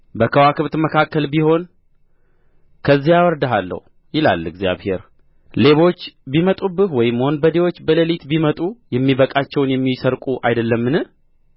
በከዋክብት መካከል ቢሆን ከዚያ አወርድሃለሁ ይላል እግዚአብሔር ሌቦች ቢመጡብህ ወይም ወንበዴዎች በሌሊት ቢመጡ የሚበቃቸውን የሚሰርቁ አይደሉምን